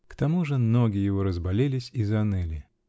К тому же ноги его разболелись и заныли.